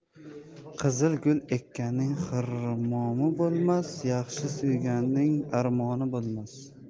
qizil gul ekkanning xirmom bo'lmas yaxshini suyganning armoni bo'lmas